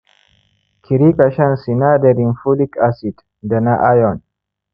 ki riƙa shan sinadarin folic acid da na iron.